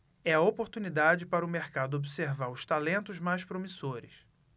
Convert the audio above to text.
é a oportunidade para o mercado observar os talentos mais promissores